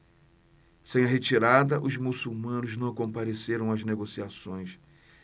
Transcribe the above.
sem a retirada os muçulmanos não compareceram às negociações